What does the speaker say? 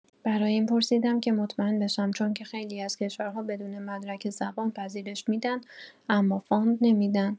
برای این پرسیدم که مطمئن بشم چون که خیلی از کشورها بدون مدرک زبان پذیرش می‌دن اما فاند نمی‌دن